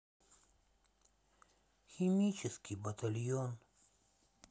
химический батальон